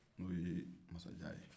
n'o ye masajan ye